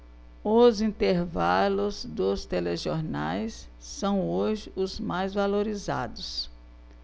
os intervalos dos telejornais são hoje os mais valorizados